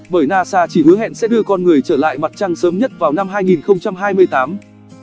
bởi nasa chỉ hứa hẹn sẽ đưa con người trở lại mặt trăng sớm nhất vào năm